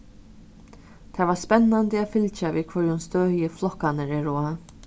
tað var spennandi at fylgja við hvørjum støði flokkarnir eru á